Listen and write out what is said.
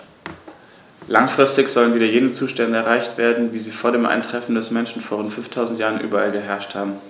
Langfristig sollen wieder jene Zustände erreicht werden, wie sie vor dem Eintreffen des Menschen vor rund 5000 Jahren überall geherrscht haben.